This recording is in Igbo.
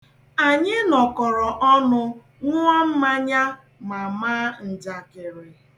Anyị nọkọrọ ọnụ, ṅụọ mmanya, ma maa njakịrị.